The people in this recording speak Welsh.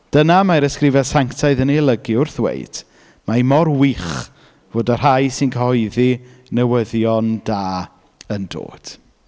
Dyna mae'r ysgrifau sanctaidd yn ei olygu wrth ddweud, "mae mor wych fod y rhai sy'n cyhoeddi newyddion da yn dod".